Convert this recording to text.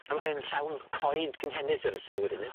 A mae'n llawn coed cynhenid te felly wedyn yw e?